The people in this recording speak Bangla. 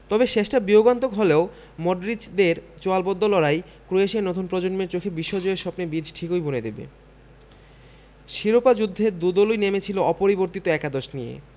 তবে শেষটা বিয়োগান্তক হলেও মডরিচদের চোয়ালবদ্ধ লড়াই ক্রোয়েশিয়ার নতুন প্রজন্মের চোখে বিশ্বজয়ের স্বপ্নে বীজ ঠিকই বুনে দেবে শিরোপা যুদ্ধে দু দলই নেমেছিল অপরিবর্তিত একাদশ নিয়ে